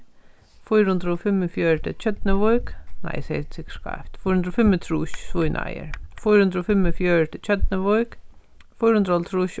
fýra hundrað og fimmogfjøruti tjørnuvík nei eg segði sikkurt skeivt fýra hundrað og fimmogtrýss svínáir fýra hundrað og fimmogfjøruti tjørnuvík fýra hundrað og hálvtrýss